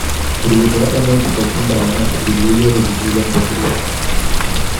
Rubuta wadannan cikakkun bayanan a shiryayyen rubutu don ka shirya.